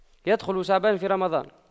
يُدْخِلُ شعبان في رمضان